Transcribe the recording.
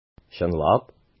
Чынлап!